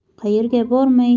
qayerga bormay